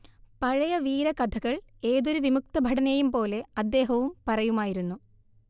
പഴയ വീരകഥകൾ ഏതൊരു വിമുക്തഭടനെയുംപോലെ അദ്ദേഹവും പറയുമായിരുന്നു